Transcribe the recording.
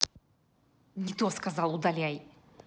не то сказал удаляй